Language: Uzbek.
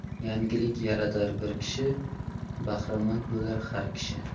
yangilik yaratar bir kishi bahramand bo'lar har kishi